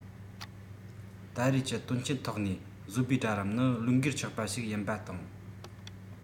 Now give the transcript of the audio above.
ད རེས ཀྱི དོན རྐྱེན ཐོག ནས བཟོ པའི གྲལ རིམ ནི བློས འགེལ ཆོག པ ཞིག ཡིན པ དང